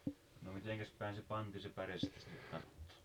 no mitenkäspäin se pantiin se päre sitten sinne kattoon